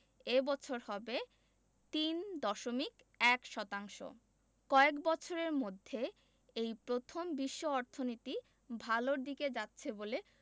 এ বছর হবে ৩.১ শতাংশ কয়েক বছরের মধ্যে এই প্রথম বিশ্ব অর্থনীতি ভালোর দিকে যাচ্ছে বলে